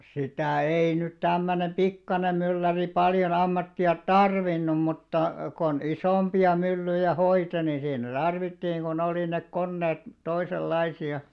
sitä ei nyt tämmöinen pikkuinen mylläri paljon ammattia tarvinnut mutta kun isompia myllyjä hoiti niin siinä tarvittiin kun oli ne koneet toisenlaisia